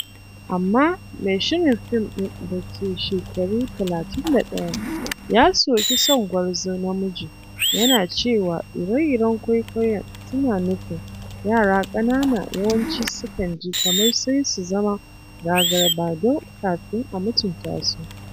Amma mai shirin fim ɗin, da ke shekaru 31, ya soki son gwarzo namiji, yana cewa ire-iren kwaikwayon suna nufin yara ƙanana yawanci sukan ji kamar sai su zama gagara-badau kafin a mutunta su.